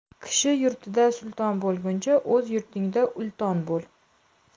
kishi yurtida sulton bo'lguncha o'z yurtingda ulton bo'l